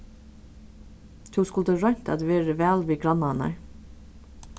tú skuldi roynt at verið væl við grannarnar